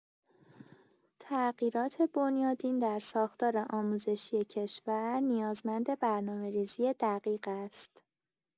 تغییرات بنیادین در ساختار آموزشی کشور، نیازمند برنامه‌ریزی دقیق است.